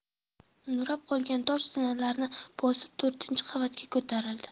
nurab qolgan tosh zinalarni bosib to'rtinchi qavatga ko'tarildi